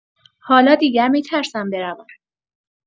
حالا دیگر می‌ترسم بروم.